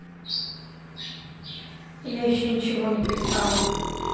я еще ничего не пристала